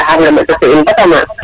ndaxar ne o respecter in bata maak